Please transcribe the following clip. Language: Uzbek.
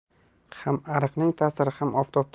ham araqning tasiri ham oftobda